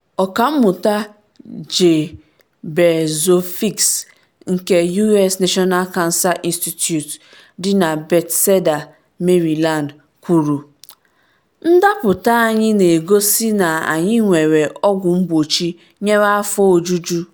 Ọkammụta Jay Berzofsky nke US National Cancer Institute dị na Bethesda Maryland, kwuru: “Ndapụta anyị na-egosi na anyị nwere ọgwụ mgbochi nyere afọ ojuju.”